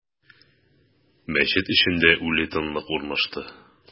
Мәчет эчендә үле тынлык урнашты.